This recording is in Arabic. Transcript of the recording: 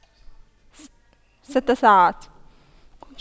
ست ساعات